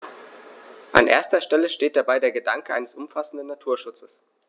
An erster Stelle steht dabei der Gedanke eines umfassenden Naturschutzes.